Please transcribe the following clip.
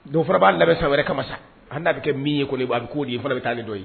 Donura b'a labɛnsa wɛrɛ kama sa an n'a bɛ kɛ min ye kɔni a bɛ' o de ye fana bɛ taa nin don ye